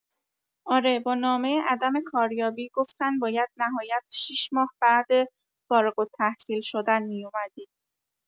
آره با نامه عدم کاریابی، گفتن باید نهایت شیش ماه بعد فارغ‌التحصیل شدن میومدی